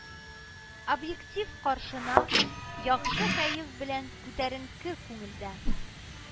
Объектив каршына яхшы кәеф белән, күтәренке күңелдә